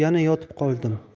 yana yotib qoldim